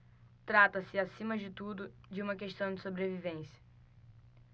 trata-se acima de tudo de uma questão de sobrevivência